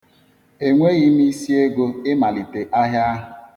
Enweghị m isiego ịmalite ahịa ahụ.